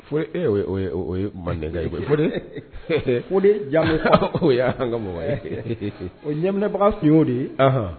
Mandenka de ja o an ka mɔgɔw o ɲaminabaga f o de